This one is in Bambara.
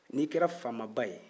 n'i kɛra faamaba ye